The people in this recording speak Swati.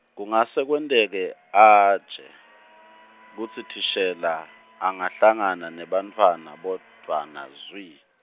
kungase kwenteke, aje, kutsi thishela, angahlangana, nebantfwana, bodvwana, zwi.